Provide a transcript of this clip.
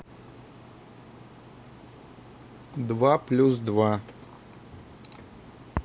два плюс два